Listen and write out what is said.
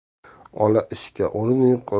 ola ishga o'rin yo'q